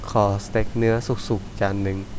ขอสเต็กเนื้อสุกๆจานนึง